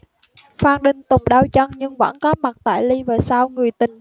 phan đinh tùng đau chân nhưng vẫn có mặt tại live show người tình